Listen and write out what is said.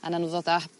a nawn n'w ddod â